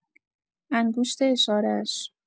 انگشت اشاره‌اش